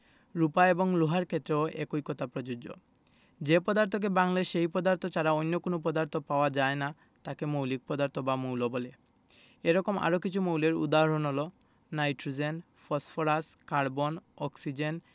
রুপা এবং লোহার ক্ষেত্রেও একই কথা প্রযোজ্য যে পদার্থকে ভাঙলে সেই পদার্থ ছাড়া অন্য কোনো পদার্থ পাওয়া যায় না তাকে মৌলিক পদার্থ বা মৌল বলে এরকম আরও কিছু মৌলের উদাহরণ হলো নাইট্রোজেন ফসফরাস কার্বন অক্সিজেন